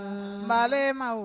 Nba ma